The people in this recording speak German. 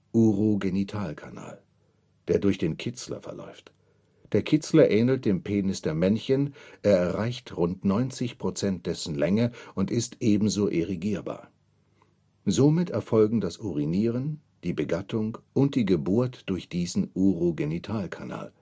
Urogenitalkanal), der durch den Kitzler verläuft. Der Kitzler ähnelt dem Penis der Männchen, er erreicht rund 90 % dessen Länge und ist ebenso erigierbar. Somit erfolgen das Urinieren, die Begattung und die Geburt durch diesen Urogenitalkanal